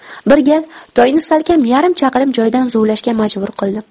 bir gal toyni salkam yarim chaqirim joydan zuvlashga majbur qildim